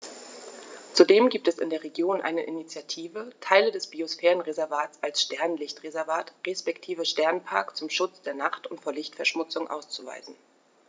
Zudem gibt es in der Region eine Initiative, Teile des Biosphärenreservats als Sternenlicht-Reservat respektive Sternenpark zum Schutz der Nacht und vor Lichtverschmutzung auszuweisen.